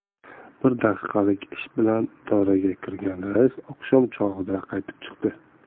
bir daqiqalik ish bilan idoraga kirgan rais oqshom chog'ida qaytib chiqdi